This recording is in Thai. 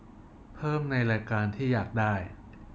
เพิ่มในรายการที่อยากได้